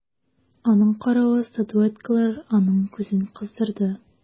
Аның каравы статуэткалар аның күзен кыздырды.